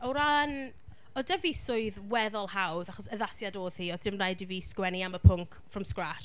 O ran... oedd 'da fi swydd weddol hawdd, achos addasiad oedd hi. Oedd dim rhaid i fi sgwennu am y pwnc from scratch.